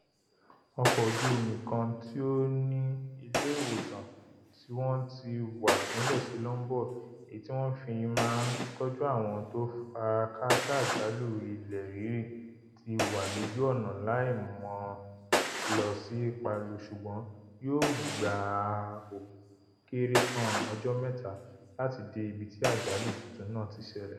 Ọkọ̀ ojú omi kan ti ó ní ilé ìwòsàn ti wọ́n ti wà gúnlẹ̀ si Lombok èyí tí wọn fi máa tọ́jú àwọn tó fara káásá àjálù ilẹ̀ rírí tí wà lójú ọ̀nà lái máa lọ sí Palu, ṣùgbọ́n yóò gbà ó kéré tán ọjọ́ mẹ́ta láti dé ibi tí àjálù tuntun náà ti ṣẹlẹ̀.